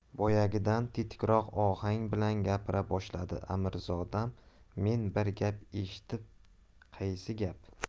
boyagidan tetikroq ohang bilan gapira boshladi amirzodam men bir gap eshitdim qaysi gap